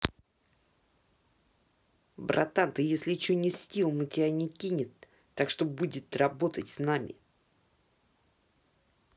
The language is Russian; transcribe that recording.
братан ты если че не still мы тебя не кинет так что будет работать с нами